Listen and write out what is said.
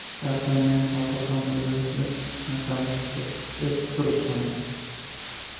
shaxsan men hozir ham o'zim shu narsani his etib turibman